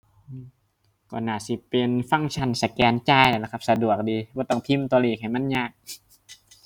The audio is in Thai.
ก็น่าสิเป็นฟังก์ชันสแกนจ่ายนั่นล่ะครับ สะดวกดี บ่ต้องพิมพ์ตัวเลขให้มันยาก